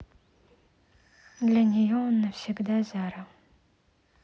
для нее он навсегда зара